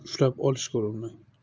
ushlab olishga urinmang